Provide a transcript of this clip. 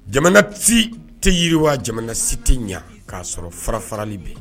Jamanati tɛ yiriwa jamana si tɛ ɲɛ k'a sɔrɔ fara fararali bɛ